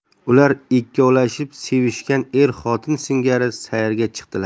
ular ikkovlashib sevishgan er xotin singari sayrga chiqdilar